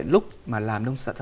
lúc mà làm nông sản